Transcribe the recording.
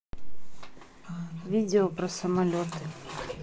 видео про самолеты